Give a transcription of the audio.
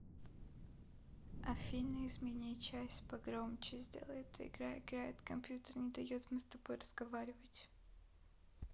афина измени час погромче сделай это игра играет в компьютер не дает мы с тобой разговаривать